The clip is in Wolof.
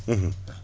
waa